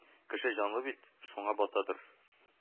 Кеше җанлы бит, шуңа батадыр